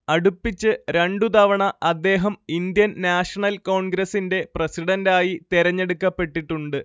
അടുപ്പിച്ച് രണ്ടു തവണ അദ്ദേഹം ഇന്ത്യൻ നാഷണൽ കോൺഗ്രസിന്റെ പ്രസിഡന്റായി തെരഞ്ഞെടുക്കപ്പെട്ടിട്ടുണ്ട്